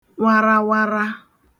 warawara